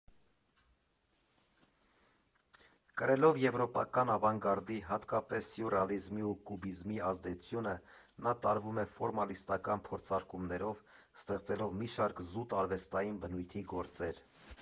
Կրելով եվրոպական ավանգարդի, հատկապես սյուրռեալիզմի ու կուբիզմի ազդեցությունը, նա տարվում է ֆորմալիստական փորձարկումներով, ստեղծելով մի շարք զուտ արվեստային բնույթի գործեր։